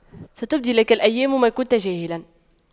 ستبدي لك الأيام ما كنت جاهلا